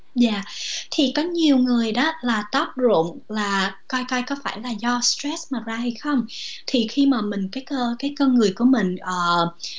giải thì có nhiều người đã là tóc rụng là coi coi có phải là do stress mà ra hay không thì khi mà mình kết hôn với con người của mình ở